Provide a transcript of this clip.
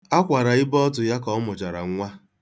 A kwara ibeọtụ ya ka ọ mụchara nwa.